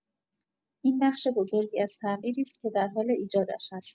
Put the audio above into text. این بخش بزرگی از تغییری است که در حال ایجادش هستید.